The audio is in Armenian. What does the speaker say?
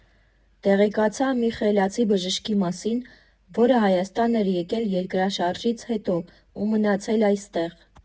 «Տեղեկացա մի իտալացի բժշկի մասին, որը Հայաստան էր եկել երկրաշարժից հետո ու մնացել այստեղ։